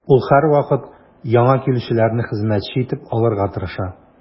Ул һәрвакыт яңа килүчеләрне хезмәтче итеп алырга тырыша.